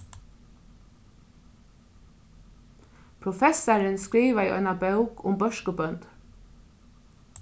professarin skrivaði eina bók um børkubøndur